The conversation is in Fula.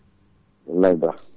wallay Ba